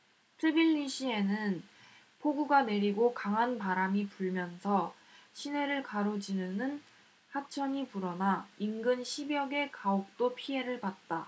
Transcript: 트빌리시에는 폭우가 내리고 강한 바람이 불면서 시내를 가로지르는 하천이 불어나 인근 십 여 개 가옥도 피해를 봤다